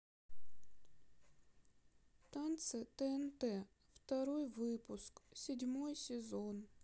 танцы тнт второй выпуск седьмой сезон